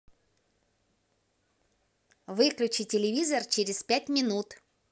выключи телевизор через пять минут